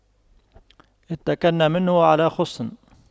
اتَّكَلْنا منه على خُصٍّ